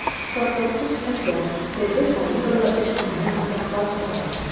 Шартлаткыч матдә, төрле калибрлы 3 меңнән артык патрон.